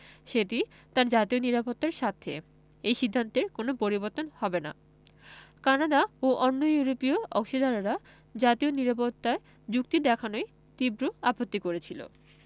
সেটি তার জাতীয় নিরাপত্তার স্বার্থে এ সিদ্ধান্তের কোনো পরিবর্তন হবে না কানাডা ও অন্য ইউরোপীয় অংশীদারেরা জাতীয় নিরাপত্তা যুক্তি দেখানোয় তীব্র আপত্তি করেছিল